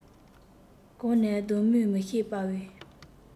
གང ནས ལྡང མིན མི ཤེས པའི